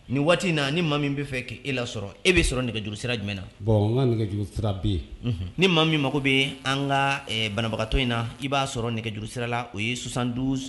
Nin waati in na ni maa min bɛ fɛ k' e la sɔrɔ e bɛ sɔrɔ nɛgɛjuru sira jumɛn bɛ yen ni maa min mago bɛ an ka banabagatɔ in na i b'a sɔrɔ nɛgɛjuru sirala o ye susan duuru